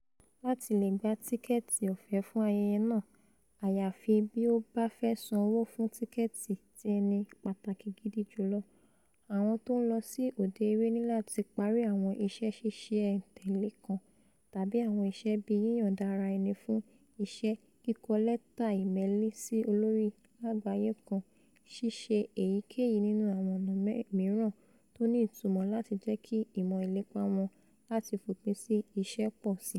Láti leè gba tíkẹ́ẹ̀tì ọ̀fẹ́ fún ayẹyẹ náà (àyàfi bí ó báfẹ́ sán owó fún tíkẹ́ẹ̀tì ti ẸNI PÀTÀKÌ GIDI julo), àwọn tó ńlọ sí òde-eré nilati pari àwọn iṣẹ́ ṣíṣẹ̀-n-tẹ̀lé kan, tàbí ''àwọn iṣẹ́''bíi yíyọ̀ǹda ara ẹni fún iṣẹ́, kíkọ lẹ́tà i-meèlì si olórí láàgbáyé kan, ṣíṣe èyíkèyìí nínú àwọn ọ̀nà mìíràn tóni ìtumọ́ lati jẹ́kí ìmọ̀ ìlépa wọn láti fòpin sí ìṣẹ́ pọ̀síi.